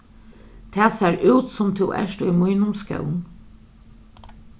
tað sær út sum tú ert í mínum skóm